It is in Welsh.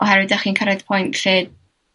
oherwydd 'dach chi'n cyrraedd point lle